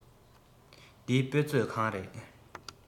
འདི དཔེ མཛོད ཁང རེད